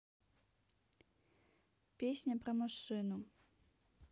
песня про машину